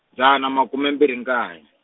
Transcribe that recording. dzana makume mbirhi nkaye .